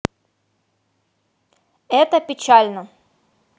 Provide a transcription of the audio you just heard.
это печально